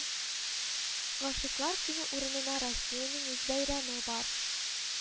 Гашыйклар көне урынына Россиянең үз бәйрәме бар